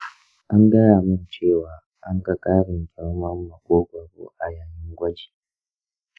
an gaya min cewa an ga ƙarin girman maƙogwaro a yayin gwaji.